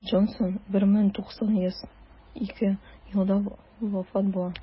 Джонсон 1902 елда вафат була.